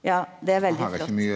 ja det er veldig flott.